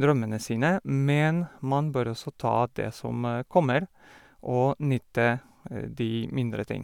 drømmene sine, men man bør også ta det som kommer og nyte de mindre ting.